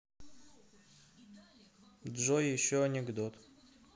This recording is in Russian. джой еще анекдот